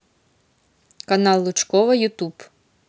канал лучкова ютуб